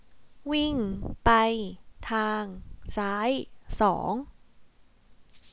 วิ่งไปทางซ้ายสอง